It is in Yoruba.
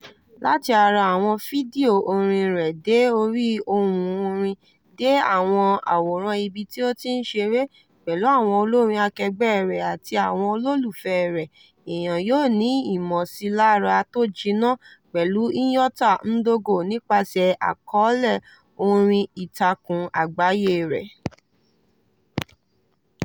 Láti ara àwọn fídíò orin rẹ̀ dé orí ohùn orin dé àwọn àwòrán ibi tí ó tí ń ṣeré pẹ̀lú àwọn olórin akẹgbẹ́ rẹ̀ àti àwọn olólùfẹ́ rẹ̀, èèyàn yóò ní ìmọ̀sílára tó jiná pẹ̀lú Nyota Ndogo nípasẹ̀ àkọ́ọ́lẹ̀ orí ìtàkùn àgbáyé rẹ̀.